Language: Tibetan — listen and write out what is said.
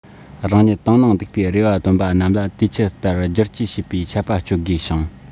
རང ཉིད ཏང ནང འདུག པའི རེ བ བཏོན པ རྣམས ལ དུས ཆད ལྟར སྒྱུར བཅོས བྱེད པའི ཆད པ གཅོད དགོས ཤིང